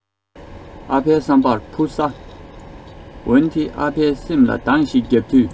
ཨ ཕའི བསམ པར བུ ས འོན ཏེ ཨ ཕའི སེམས ལ གདང ཞིག བརྒྱབ དུས